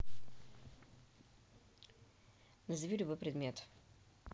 назови любой предмет